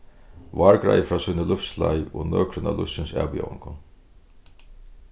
vár greiðir frá síni lívsleið og nøkrum av lívsins avbjóðingum